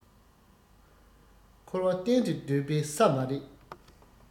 འཁོར བ གཏན དུ སྡོད པའི ས མ རེད